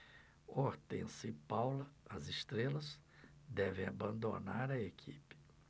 hortência e paula as estrelas devem abandonar a equipe